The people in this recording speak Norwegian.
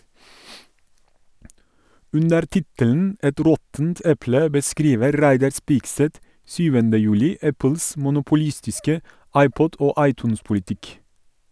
Under tittelen «Et råttent eple» beskriver Reidar Spigseth 7. juli Apples monopolistiske iPod- og iTunes-politikk.